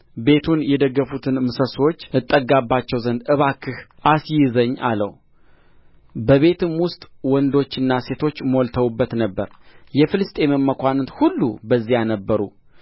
ቤቱን የደገፉትን ምሰሶች እጠጋባቸው ዘንድ እባክህ አስይዘኝ አለው በቤትም ውስጥ ወንዶችና ሴቶች ሞልተውበት ነበር የፍልስጥኤምም መኳንንት ሁሉ በዚያ ነበሩ